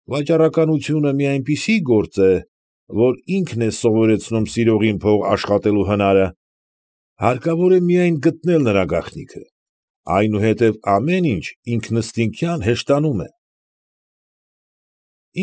Վաճառականությունը մի այնպիսի գործ է, որ ինքն է սովորեցնում սիրողին փող աշխատելու հնարը. հարկավոր է միայն գտնել նրա գաղտնիքը, այնուհետև ամեն ինչ ինքնըստինքյան հեշտանում է։ ֊